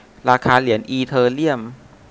ราคาเหรียญอีเธอเรียม